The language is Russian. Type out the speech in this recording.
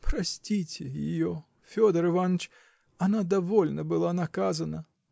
Простите ее, Федор Иваныч, она довольно была наказана.